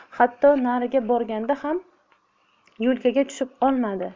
hatto nariga borganda ham yo'lkaga tushib olmadi